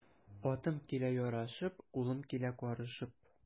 Атым килә ярашып, кулым килә карышып.